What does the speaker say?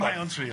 Mae o'n trio